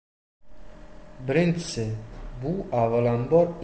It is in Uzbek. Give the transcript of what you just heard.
birinchisi bu avvalambor